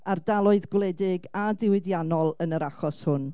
Ardaloedd gwledig a diwydiannol yn yr achos hwn.